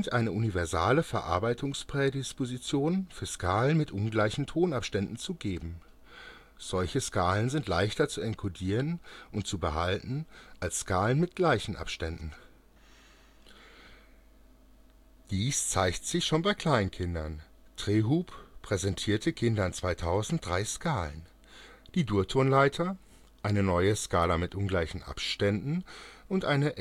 eine universale Verarbeitungsprädisposition für Skalen mit ungleichen Tonabständen zu geben – solche Skalen sind leichter zu enkodieren und zu behalten als Skalen mit gleichen Abständen. Dies zeigt sich schon bei Kleinkindern: Trehub (2000) präsentierte Kindern drei Skalen - die Durtonleiter, eine neue Skala mit ungleichen Abständen und eine